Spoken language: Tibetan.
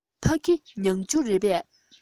ཕ གི མྱང ཆུ རེད པས